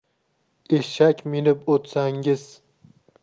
eshak minib o'tsangiz